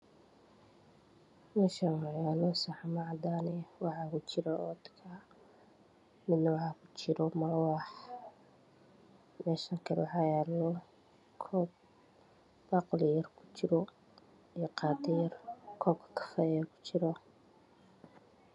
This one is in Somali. Meeshaan waxaa yaalo saxanman cadaan eh waxaa ku jira oodkac midna waxaa ku jira malawax meeshaan kala waxaa yaala koob baaquli yar ku jiro iyo qaado yar koobka kafayaa ku jiro.